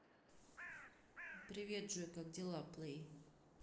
привет джой как дела плей